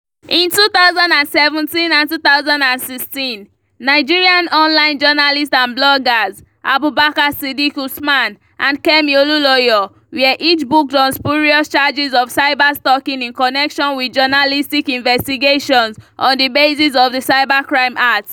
In 2017 and 2016, Nigerian online journalists and bloggers Abubakar Sidiq Usman and Kemi Olunloyo were each booked on spurious charges of cyber-stalking in connection with journalistic investigations on the basis of the Cybercrime Act.